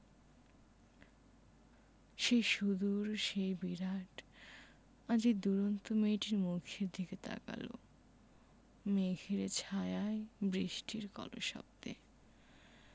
সেই সুদূর সেই বিরাট আজ এই দুরন্ত মেয়েটির মুখের দিকে তাকাল মেঘের ছায়ায় বৃষ্টির কলশব্দে